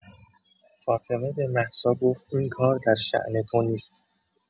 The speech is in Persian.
فاطمه به مهسا گفت این کار درشان تو نیست.